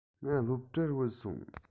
ང སློབ གྲྭར བུད སོང